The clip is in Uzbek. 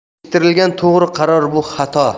kechiktirilgan to'g'ri qaror bu xato